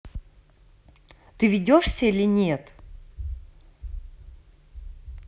ты ведешься или нет